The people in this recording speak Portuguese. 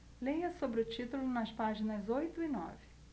leia sobre o título nas páginas oito e nove